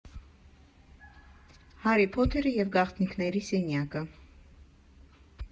Հարի Փոթերը և Գաղտնիքների սենյակը։